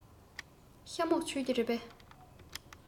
ཤ མོག མཆོད ཀྱི རེད པས